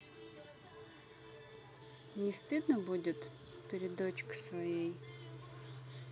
не стыдно будет перед дочкой своей